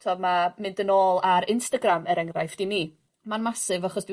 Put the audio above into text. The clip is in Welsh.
T'od ma' mynd yn ôl ar Instagram er enghraifft i mi ma'n masif achos dw i